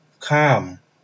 ข้าม